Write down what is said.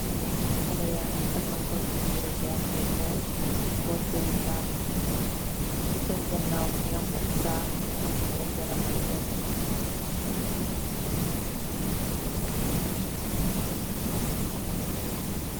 Hale yaangi tahaw sol sen yireeh jangee kaay, boot seeni saak, chi seen ganaaw mungi am ab taax, am aye garap chi wet bi.